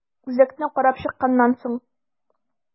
Үзәкне карап чыкканнан соң.